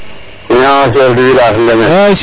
miyo mi Chef du village